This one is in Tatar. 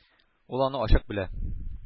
Ул аны ачык белә.